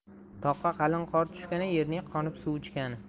toqqa qalin qor tushgani yerning qonib suv ichgani